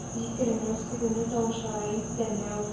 Җикеренү, сүгенү тавышлары, ютәлләү